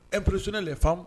impressionner les femmes !